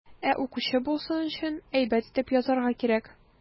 Ә укучы булсын өчен, әйбәт итеп язарга кирәк.